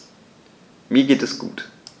Mir geht es gut.